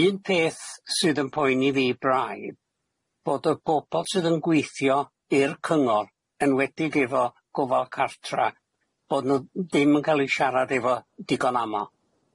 Un peth sydd yn poeni fi braidd bod y bobol sydd yn gweithio i'r cyngor enwedig efo gofal cartra bod nw ddim yn ca'l 'u siarad efo digon amal.